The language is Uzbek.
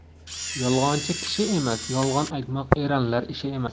yolg'onchi kishi emas yolg'on aytmoq eranlar ishi emas